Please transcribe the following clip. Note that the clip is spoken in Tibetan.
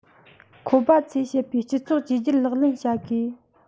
ཁོ པ ཚོས བཤད པའི སྤྱི ཚོགས བཅོས བསྒྱུར ལག ལེན བྱ དགོས